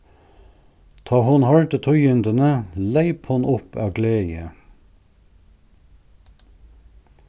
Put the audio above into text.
tá hon hoyrdi tíðindini leyp hon upp av gleði